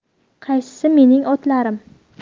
qaysisi mening otlarim